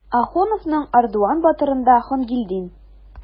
Ахуновның "Ардуан батыр"ында Хангилдин.